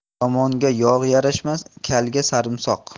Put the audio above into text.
yomonga yog' yarashmas kalga sarimsoq